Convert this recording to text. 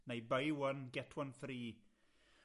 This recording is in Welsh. neu buy one get one free.